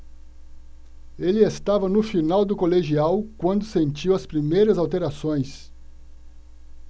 ele estava no final do colegial quando sentiu as primeiras alterações